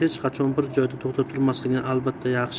joyda to'xtab turmasligini albatta yaxshi